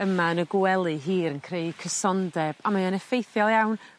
yma yn y gwely hir yn creu cysondeb a mae o'n effeithiol iawn